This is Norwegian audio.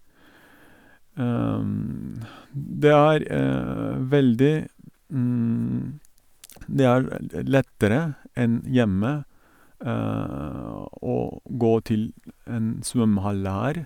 det er veldig Det er veld lettere enn hjemme å gå til en svømmehall her.